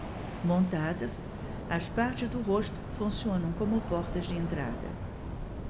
montadas as partes do rosto funcionam como portas de entrada